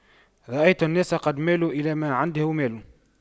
رأيت الناس قد مالوا إلى من عنده مال